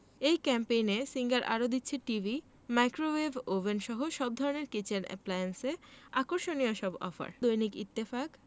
এই ক্যাম্পেইনে সিঙ্গার আরো দিচ্ছে টিভি মাইক্রোওয়েভ ওভেনসহ সব ধরনের কিচেন অ্যাপ্লায়েন্সে আকর্ষণীয় সব অফার দৈনিক ইত্তেফাক